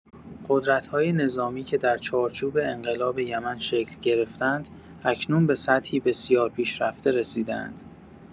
قدرت‌های نظامی که در چارچوب انقلاب یمن شکل گرفتند، اکنون به سطحی بسیار پیشرفته رسیده‌اند.